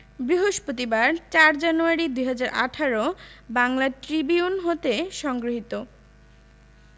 বৃহস্পতিবার ০৪ January ২০১৮ Bangla Tribune হতে সংগৃহীত